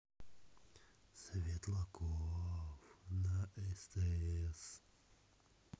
светлаков на стс